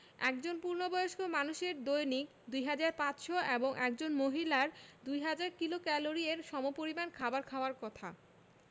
একজন পূর্ণবয়স্ক মানুষের দৈনিক ২৫০০ এবং একজন মহিলার ২০০০ কিলোক্যালরি এর সমপরিমান খাবার খাওয়ার কথা